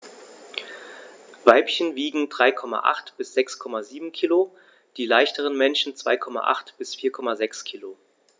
Weibchen wiegen 3,8 bis 6,7 kg, die leichteren Männchen 2,8 bis 4,6 kg.